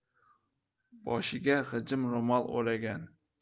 boshiga g'ijim ro'mol o'ragan